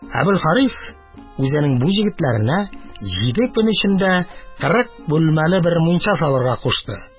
Әбелхарис үзенең бу егетләренә җиде көн эчендә кырык бүлмәле бер мунча салырга кушты.